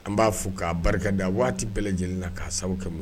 An b'a fo k'a barika da a waati bɛɛ lajɛlen la k'a sababu kɛmɛ minɛ